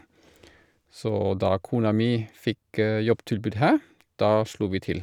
Så da kona mi fikk jobbtilbud her, da slo vi til.